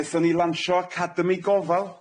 Nethon ni lansho academi gofal,